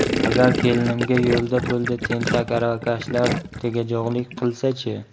agar kelinimga yo'lda po'lda tentak aravakashlar tegajog'lik qilsachi